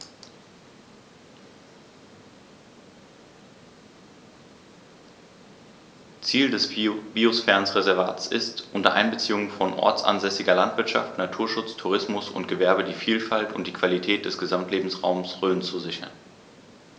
Ziel dieses Biosphärenreservates ist, unter Einbeziehung von ortsansässiger Landwirtschaft, Naturschutz, Tourismus und Gewerbe die Vielfalt und die Qualität des Gesamtlebensraumes Rhön zu sichern.